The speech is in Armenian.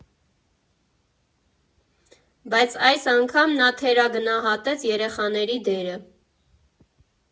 Բայց այս անգամ նա թերագնահատեց երեխաների դերը.